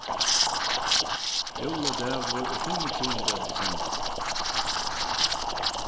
jóladagur er fimmogtjúgunda desembur